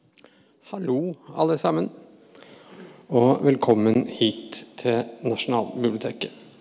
hallo alle sammen og velkommen hit til Nasjonalbiblioteket.